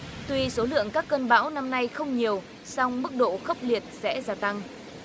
tuy số lượng các cơn bão năm nay không nhiều song mức độ khốc liệt sẽ gia tăng